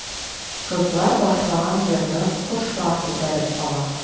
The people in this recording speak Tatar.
Кызлар башлаган җырны кошлар күтәреп ала.